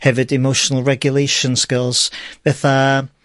Hefyd emotional regulation skills, fetha...